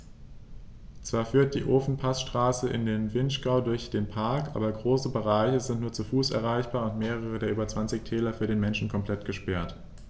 Zwar führt die Ofenpassstraße in den Vinschgau durch den Park, aber große Bereiche sind nur zu Fuß erreichbar und mehrere der über 20 Täler für den Menschen komplett gesperrt.